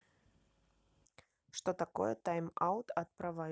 что такое тайм аут от провайдера